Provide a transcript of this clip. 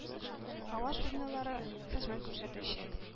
Һава суднолары хезмәт күрсәтәчәк.